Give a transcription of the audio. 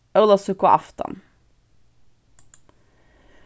ólavsøkuaftan